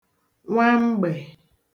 nwamgbè